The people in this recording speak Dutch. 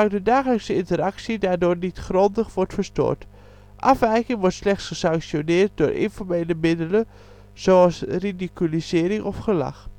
de dagelijkse interactie daardoor niet grondig wordt verstoord. Afwijking wordt slechts gesanctioneerd door informele middelen zoals ridiculisering of gelach